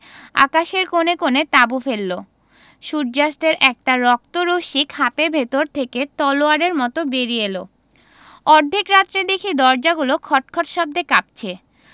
আকাশের কোণে কোণে তাঁবু ফেললো সূর্য্যাস্তের একটা রক্ত রশ্মি খাপের ভেতর থেকে তলোয়ারের মত বেরিয়ে এল অর্ধেক রাত্রে দেখি দরজাগুলো খটখট শব্দে কাঁপছে